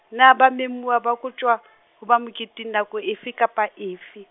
na ba memuwa ba koptjwa ho ba moketeng nako efe kapa efe?